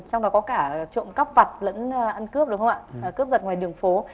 trong đó có cả trộm cắp vặt lẫn ăn cướp đúng không ạ và cướp giật ngoài đường phố